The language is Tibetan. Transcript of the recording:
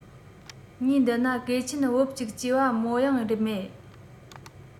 ངའི འདི ན གོས ཆེན བུབས གཅིག བཅས པ མའོ ཡང མེད